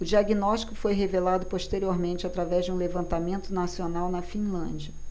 o diagnóstico foi revelado posteriormente através de um levantamento nacional na finlândia